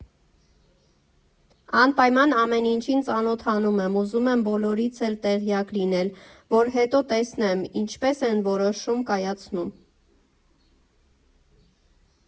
Անպայման ամեն ինչին ծանոթանում եմ, ուզում եմ բոլորից էլ տեղյակ լինել, որ հետո տեսնեմ՝ ինչպես են որոշում կայացնում։